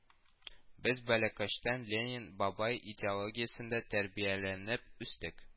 Без балачактан Ленин бабай идеологиясендә тәрбияләнеп үстек